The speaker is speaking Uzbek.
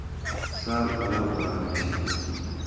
sal alam qiladi kishiga